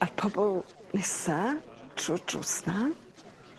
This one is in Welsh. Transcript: A'r pobol nesa trw'r drws 'na